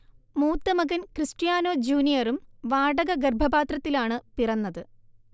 മൂത്ത മകൻ ക്രിസ്റ്റ്യാനൊ ജൂനിയറും വാടക ഗർഭപാത്രത്തിലാണ് പിറന്നത്